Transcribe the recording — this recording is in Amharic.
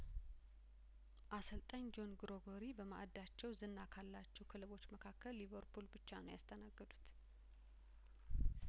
አሰልጣኝ ጆን ግሮ ጐሪ በማእዳቸው ዝና ካላቸው ክለቦች መካከል ሊቨርፑል ብቻ ነው ያስተናገዱት